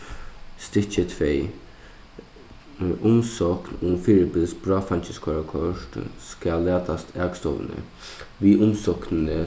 stykki tvey umsókn um fyribils bráðfeingiskoyrikort skal latast akstovuni við umsóknini